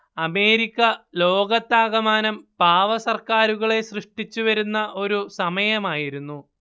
America ലോകത്താകമാനം പാവ സർക്കാരുകളെ സൃഷ്ടിച്ചു വരുന്ന ഒരു സമയമായിരുന്നു